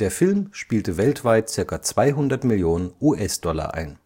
Film spielte weltweit ca. 200 Millionen US-Dollar ein